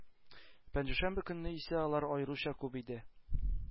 Пәнҗешәмбе көнне исә алар аеруча күп иде